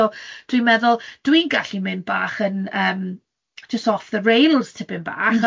so dwi'n meddwl dwi'n gallu mynd bach yn yym jyst off the rails tipyn bach,